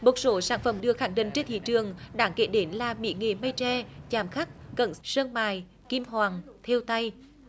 một số sản phẩm được khẳng định trên thị trường đáng kể đến là mỹ nghệ mây tre chạm khắc cẩn sơn mài kim hoàn thêu tay